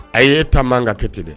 Ayi e ta man ka kɛ ten dɛ